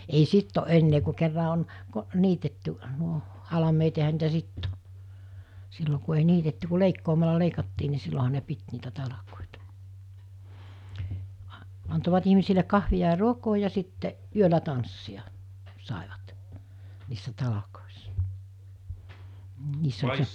ei sitten ole enää kun kerran on - niitetty nuo halmeet ja eihän niitä sitten ole silloin kun ei niitetty kuin leikkaamalla leikattiin niin silloinhan ne piti niitä talkoita - antoivat ihmisille kahvia ja ruokaa ja sitten yöllä tanssia saivat niissä talkoissa niin niissä oli